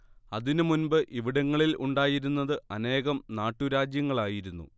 അതിന് മുൻപ് ഇവിടങ്ങളിൽ ഉണ്ടായിരുന്നത് അനേകം നാട്ടുരാജ്യങ്ങളായിരുന്നു